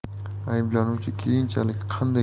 ayblanuvchi keyinchalik qanday